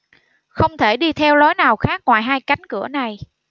không thể đi theo lối nào khác ngoài hai cánh cửa này